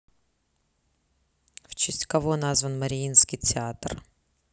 в честь кого назван мариинский театр